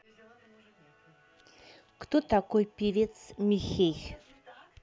кто такой певец михей